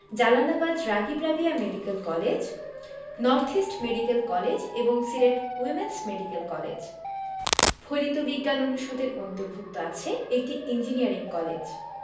Jalalabad Ragib Rabeya medical college north east medical college এবং Sylhet women's medical college ফলিত বিজ্ঞান অনুষদের অন্তর্ভুক্ত আছে একটি ইঞ্জিনিয়ারিং কলেজ